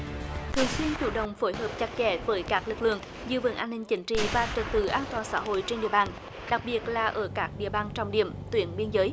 thường xuyên chủ động phối hợp chặt chẽ với các lực lượng giữ vững an ninh chính trị và trật tự an toàn xã hội trên địa bàn đặc biệt là ở các địa bàn trọng điểm tuyến biên giới